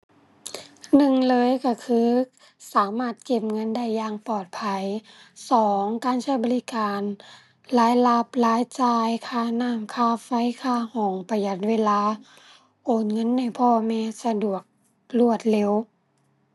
หนึ่งเลยก็คือ สามารถเก็บเงินได้อย่างปลอดภัย สอง การใช้บริการ รายรับ รายจ่าย ค่าน้ำ ค่าไฟ ค่าห้อง ประหยัดเวลา โอนเงินให้พ่อแม่สะดวก รวดเร็ว